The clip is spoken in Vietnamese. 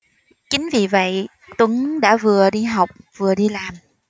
chính vì vậy tuấn đã vừa đi học vừa đi làm